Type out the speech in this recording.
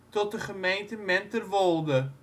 tot de gemeente Menterwolde